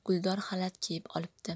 guldor xalat kiyib olibdi